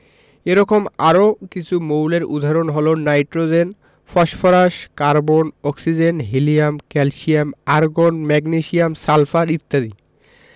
এরকম আরও কিছু মৌলের উদাহরণ হলো nitrogen phosphorus carbon oxygen helium calcium argon magnesium sulphur ইত্যাদি